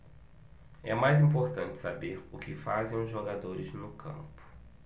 é mais importante saber o que fazem os jogadores no campo